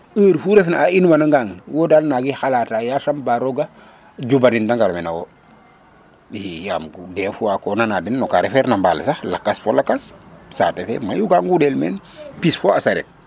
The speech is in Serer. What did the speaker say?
heure fu ref na a in wangan wo daal nangi xalata yasam ba roga cubalin de ŋar mena wo i yaam ŋuuɗ dés fois ko nana den noka refeer na no mbaal sax lakas fo lakas sate fe mayu ga ŋuɗel meen pis fo a sareet